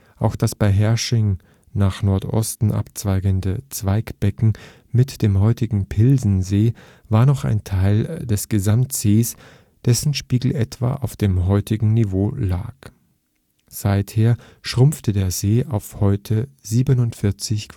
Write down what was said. Auch das bei Herrsching nach Nordosten abzweigende Zweigbecken mit dem heutigen Pilsensee war noch ein Teil des Gesamtsees, dessen Spiegel etwa auf dem heutigen Niveau lag. Seither schrumpfte der See auf heute 47